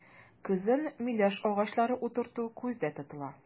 Көзен миләш агачлары утырту күздә тотыла.